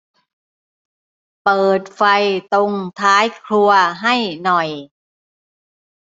เปิดไฟตรงท้ายครัวให้หน่อย